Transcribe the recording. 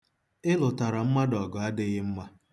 Ịlụtara mmadụ ọgụ adịghị mma.